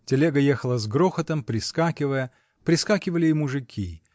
Телега ехала с грохотом, прискакивая прискакивали и мужики